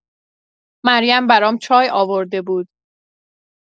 مریم برام چای آورده بود.